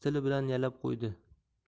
tili bilan yalab qo'ydi